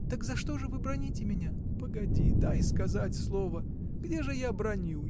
— Так за что же вы браните меня? — Погоди, дай сказать слово! Где же я браню?